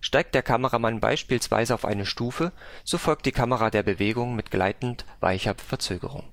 Steigt der Kameramann beispielsweise auf eine Stufe, so folgt die Kamera der Bewegung mit gleitend weicher Verzögerung